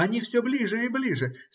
Они все ближе и ближе